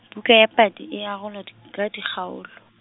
buka ya padi e arolwa di-, ka dikgaolo.